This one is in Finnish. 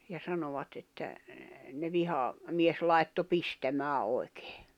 ja sanoivat että ne - vihamies laittoi pistämään oikein